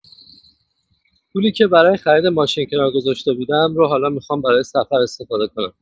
پولی که برای خرید ماشین کنار گذاشته بودم رو حالا می‌خوام برای سفر استفاده کنم.